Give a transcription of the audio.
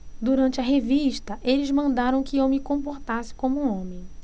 durante a revista eles mandaram que eu me comportasse como homem